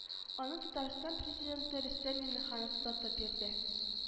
Аны татарстан президенты рөстәм миңнеханов озатып йөрде